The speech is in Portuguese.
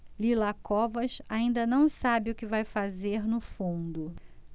lila covas ainda não sabe o que vai fazer no fundo